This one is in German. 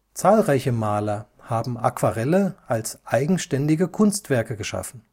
Zahlreiche Maler haben Aquarelle als eigenständige Kunstwerke geschaffen